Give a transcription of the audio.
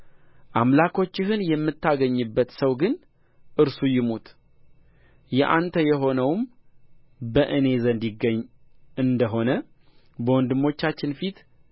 አምላኮችህን የምታገኝበት ሰው ግን እርሱ ይሙት የአንተ የሆነውም በእኔ ዘንድ ይገኝ እንደ ሆነ በወንድሞቻችን ፊት